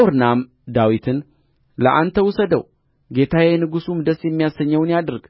ኦርናም ዳዊትን ለአንተ ውሰደው ጌታዬ ንጉሡም ደስ የሚያሰኘውን ያድርግ